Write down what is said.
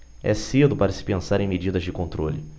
é cedo para se pensar em medidas de controle